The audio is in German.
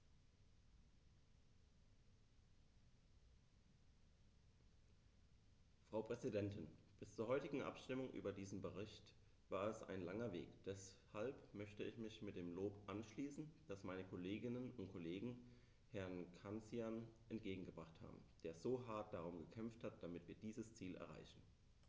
Frau Präsidentin, bis zur heutigen Abstimmung über diesen Bericht war es ein langer Weg, deshalb möchte ich mich dem Lob anschließen, das meine Kolleginnen und Kollegen Herrn Cancian entgegengebracht haben, der so hart darum gekämpft hat, damit wir dieses Ziel erreichen.